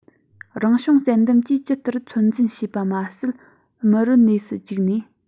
རང བྱུང བསལ འདེམས ཀྱིས ཇི ལྟར ཚོད འཛིན བྱས པ མ ཟད མུ རུ གནས སུ བཅུག ནས